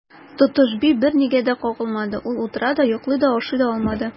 Тотыш би бернигә дә кагылмады, ул утыра да, йоклый да, ашый да алмады.